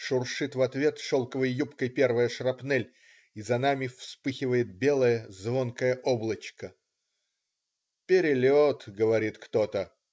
- шуршит в ответ шелковой юбкой первая шрапнель, и за нами вспыхивает белое, звонкое облачко. "Перелет",- говорит кто-то.